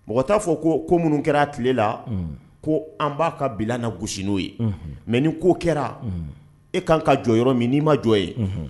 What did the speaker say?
Mɔgɔ t'a fɔ ko ko minnu kɛra tilela ko an b'a ka bila na gosi n'o ye mɛ ni ko kɛra e kaan ka jɔ yɔrɔ min n'i ma jɔ ye